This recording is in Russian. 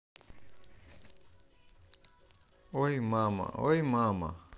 ой мама ой мама